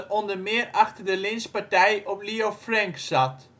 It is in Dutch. onder meer achter de lynchpartij op Leo Frank zat